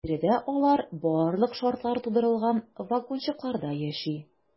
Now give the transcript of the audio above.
Биредә алар барлык шартлар тудырылган вагончыкларда яши.